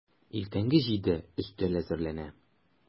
Иртәнге җиде, өстәл әзерләнә.